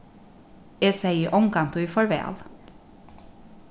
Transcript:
eg segði ongantíð farvæl